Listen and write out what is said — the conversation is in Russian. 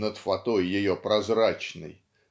"над фатой ее прозрачной"